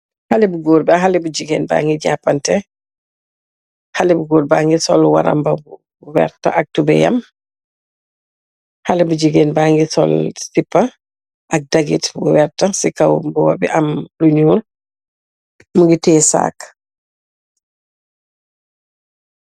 Haleh bu goor ak haleh bu gigeen bi nyunge japanteh haleh bu goor bi munge sul waramba bu werta ak tubey yamm bi haleh bu gigeen bi munge sul sipah ak dagit bu werta si kaw mboba bi am lu nyull nyunge teyeh saac